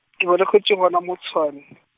ke belegetšwe gona mo Tshwane.